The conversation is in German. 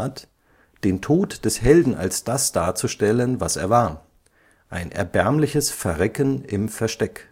„ den Tod des Helden als das darzustellen, was er war: ein erbärmliches Verrecken im Versteck